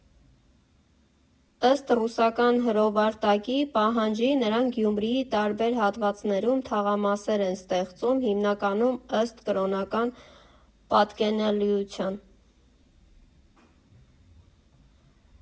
Ըստ ռուսական հրովարտակի պահանջի՝ նրանք Գյումրիի տարբեր հատվածներում թաղամասեր են ստեղծում՝ հիմնականում ըստ կրոնական պատկանելիության։